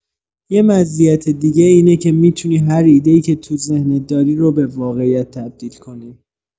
یه مزیت دیگه اینه که می‌تونی هر ایده‌ای که تو ذهنت داری رو به واقعیت تبدیل کنی.